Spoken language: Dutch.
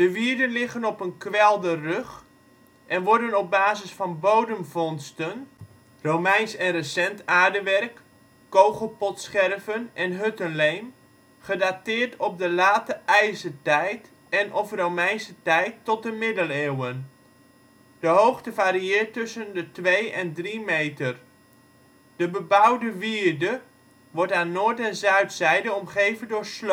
wierden liggen op een kwelderrug en worden op basis van bodemvondsten (Romeins en recent aardewerk, kogelpotscherven en huttenleem) gedateerd op de Late IJzertijd en/of Romeinse tijd tot de middeleeuwen. De hoogte varieert tussen de 2 en 3 meter. De bebouwde wierde wordt aan noord - en zuidzijde omgeven